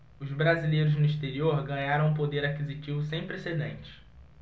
os brasileiros no exterior ganharam um poder aquisitivo sem precedentes